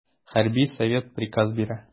Хәрби совет приказ бирә.